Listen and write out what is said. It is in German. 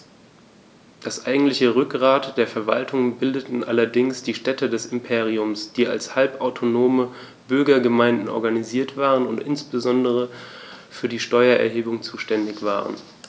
Das eigentliche Rückgrat der Verwaltung bildeten allerdings die Städte des Imperiums, die als halbautonome Bürgergemeinden organisiert waren und insbesondere für die Steuererhebung zuständig waren.